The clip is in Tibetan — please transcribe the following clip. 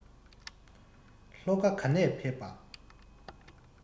ལྷོ ཁ ག ནས ཕེབས པྰ